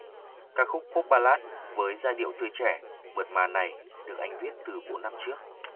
ca khúc pop ballad với giai điệu tươi trẻ mượt mà này được anh viết từ bốn năm trước